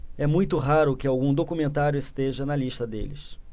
é muito raro que algum documentário esteja na lista deles